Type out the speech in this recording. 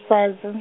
-sadzi.